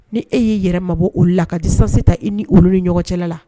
Ni e y'i yɛrɛ mabɔ o la ka disasen ta i ni olu ni ɲɔgɔncɛ la